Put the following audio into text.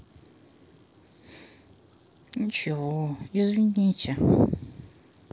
ничего извините